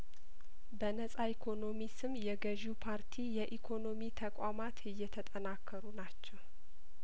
በነጻ ኢኮኖሚ ስም የገዥው ፓርቲ የኢኮኖሚ ተቋማት እየተጠናከሩ ናቸው